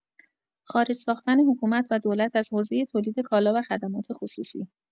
خارج ساختن حکومت و دولت از حوزۀ تولید کالا و خدمات خصوصی